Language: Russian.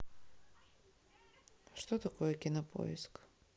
что такое кинопоиск